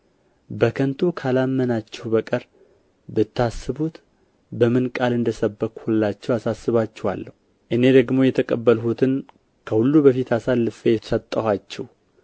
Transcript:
በከንቱ ካላመናችሁ በቀር ብታስቡት በምን ቃል እንደ ሰበክሁላችሁ አሳስባችኋለሁ እኔ ደግሞ የተቀበልሁትን ከሁሉ በፊት አሳልፌ ሰጠኋችሁ